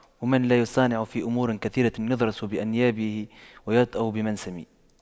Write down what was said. ومن لا يصانع في أمور كثيرة يضرس بأنياب ويوطأ بمنسم